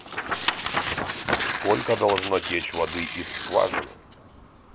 сколько должно течь воды из скважины